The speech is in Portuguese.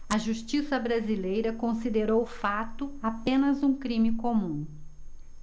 a justiça brasileira considerou o fato apenas um crime comum